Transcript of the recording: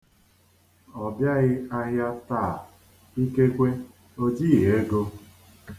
Ọ bịaghị ahịa taa, ikekwe o jighi ego.